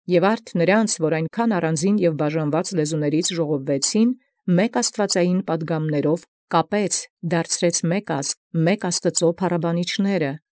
Եւ արդ զնոսա, որ յայնչափ ի մասնաւոր և ի բաժանեալ լեզուացն ժողովեցան, միով աստուածաբարբառ պատգամաւքն մի ազգ կապեալ՝ փառաբանիչք միոյ Աստուծոյ յաւրինէր։